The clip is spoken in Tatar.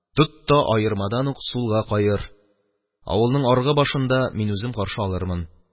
Тот та аермадан ук сулга каер, авылның аргы башында мин үзем каршы алырмын.